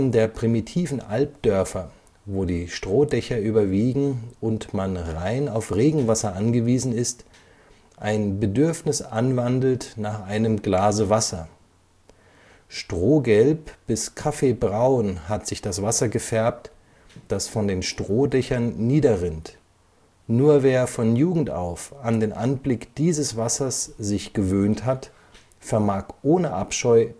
der primitiven Albdörfer, wo die Strohdächer überwiegen und man rein auf Regenwasser angewiesen ist, ein Bedürfnis anwandelt nach einem Glase Wasser. […] Strohgelb bis Kaffeebraun hat sich das Wasser gefärbt, das von den Strohdächern niederrinnt, nur wer von Jugend auf an den Anblick dieses Wassers sich gewöhnt hat, vermag ohne Abscheu